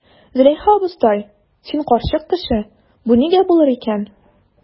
Зөләйха абыстай, син карчык кеше, бу нигә булыр икән?